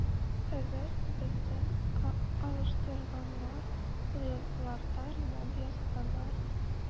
Хәзер түбәсен алыштырганнар, подъездларда ремонт ясаганнар.